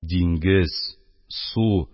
Диңгез, су,